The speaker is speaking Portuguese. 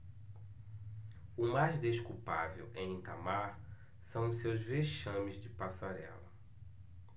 o mais desculpável em itamar são os seus vexames de passarela